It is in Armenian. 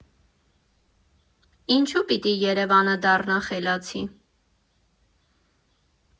Ինչո՞ւ պիտի Երևանը դառնա խելացի։